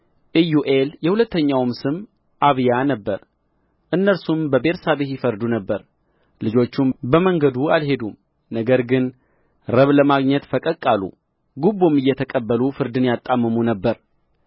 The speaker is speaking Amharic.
ኢዮኤል የሁለተኛውም ስም አብያ ነበረ እነርሱም በቤርሳቤህ ይፈርዱ ነበር ልጆቹም በመንገዱ አልሄዱም ነገር ግን ረብ ለማግኘት ፈቀቅ አሉ ጉቦም እየተቀበሉ ፍርድን ያጣምሙ ነበር